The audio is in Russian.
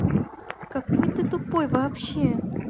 какой ты тупой вообще